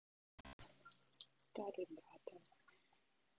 стали брата